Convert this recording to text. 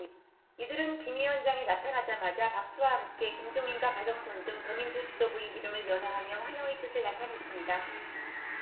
이들은 김 위원장이 나타나자마자 박수와 함께 김종인과 박영선등 더민주 지도부의 이름을 연호하며 환영의 뜻을 나타냈습니다